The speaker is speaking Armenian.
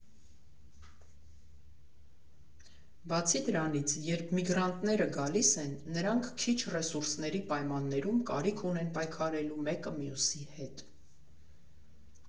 Բացի դրանից, երբ միգրանտները գալիս են, նրանք քիչ ռեսուրսների պայմաններում կարիք ունեն պայքարելու մեկը մյուսի հետ։